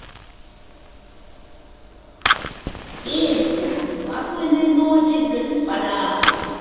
песня спокойной ночи господа